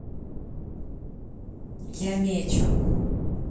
я мечу